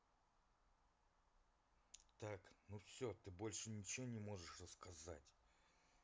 так ну все ты больше ничего не можешь рассказать